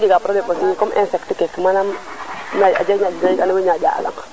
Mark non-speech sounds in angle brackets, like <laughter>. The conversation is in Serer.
nuue njega aussi probleme comme insecte ke manam <unintelligible> na ñaƴa a lang